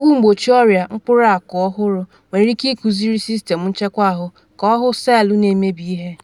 Ọgwụ mgbochi ọrịa mkpụrụ akụ ọhụrụ nwere ike ikuziri sistem nchekwa ahụ ka ọ “hụ” selụ na-emebi ihe